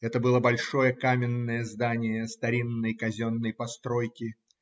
Это было большое каменное здание старинной казенной постройки.